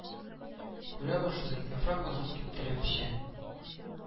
Күрә башлый: яфраказык киптерә, печән